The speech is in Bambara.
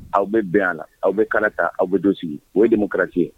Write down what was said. Aw bɛ bɛn la aw bɛ kaana ta aw bɛ don sigi o ye de ma ye